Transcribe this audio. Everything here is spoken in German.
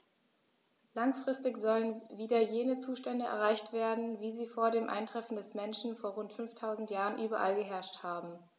Langfristig sollen wieder jene Zustände erreicht werden, wie sie vor dem Eintreffen des Menschen vor rund 5000 Jahren überall geherrscht haben.